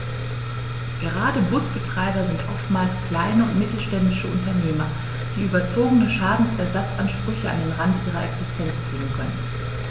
Gerade Busbetreiber sind oftmals kleine und mittelständische Unternehmer, die überzogene Schadensersatzansprüche an den Rand ihrer Existenz bringen können.